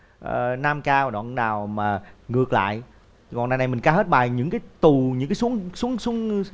ờ nam cao đoạn nào mà ngược lại đoạn này này mình ca hết bài những cái tù những cái xuống xuống xuống